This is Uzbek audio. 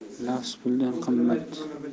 lafz puldan qimmat